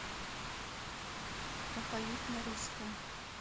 алфавит на русском